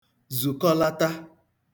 zùkọlata